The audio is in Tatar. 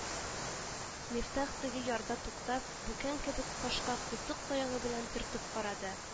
Мифтах теге ярда туктап, бүкән кебек ташка култык таягы белән төртеп карады